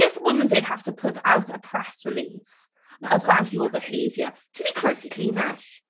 If a woman did have to put out a press release about... that's it ...your behaviour ti 'di croesi llinell.